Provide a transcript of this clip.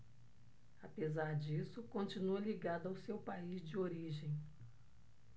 apesar disso continua ligado ao seu país de origem